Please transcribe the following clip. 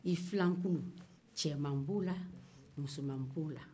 i filankulu cɛman bɛ o la musoman bɛ o la